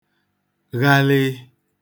ghalịị